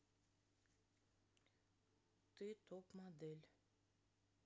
ты топ модель